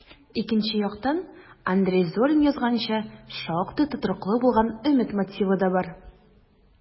Икенче яктан, Андрей Зорин язганча, шактый тотрыклы булган өмет мотивы да бар: